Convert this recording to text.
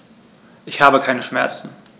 Ich habe keine Schmerzen.